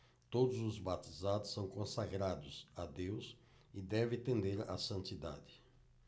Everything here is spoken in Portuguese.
todos os batizados são consagrados a deus e devem tender à santidade